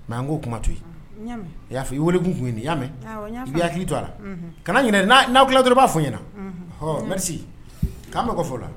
Mɛ n ko oo kuma to i y'a fɔ i weelekun tun ɲini'a mɛn i hakili tora kana n'aw hakili dɔrɔn b'a fɔ ɲɛnari k'an bɛ fɔ la